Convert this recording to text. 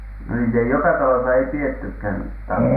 no niitä ei joka talossa ei pidettykään tansseja